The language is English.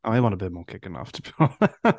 I want a bit more kicking off, to be honest